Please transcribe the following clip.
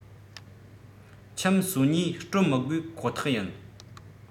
ཁྱིམ ༣༢ སྤྲོད མི དགོས ཁོ ཐག ཡིན